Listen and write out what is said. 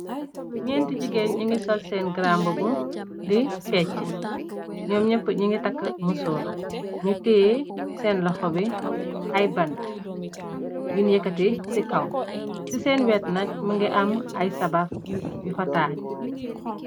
Njenti gigain njungy sol sen grandmbubu dii fechue, njom njep njungy takue musoor, nju tiyeh sen lokho bii aiiy bantue yungh yehkati cii kaw, cii sen wehtt nak mungy am aiiy sabarr yufa taaju.